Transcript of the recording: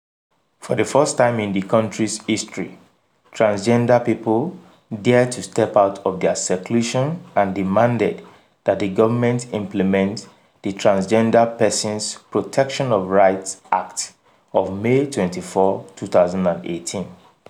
For the first time in the country's history, Transgender people dared to step out of their seclusion and demanded that the Government implement The Transgender Persons (Protection of Rights) Act, of May 24, 2018.